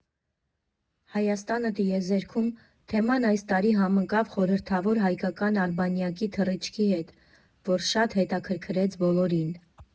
«Հայաստանը տիեզերքում» թեման այս տարի համընկավ խորհրդավոր հայկական արբանյակի թռիչքի հետ, որ շատ հետաքրքրեց բոլորին։